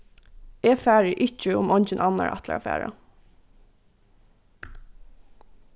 eg fari ikki um eingin annar ætlar at fara